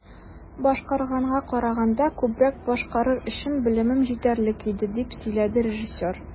"башкарганга караганда күбрәк башкарыр өчен белемем җитәрлек иде", - дип сөйләде режиссер.